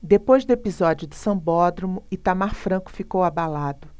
depois do episódio do sambódromo itamar franco ficou abalado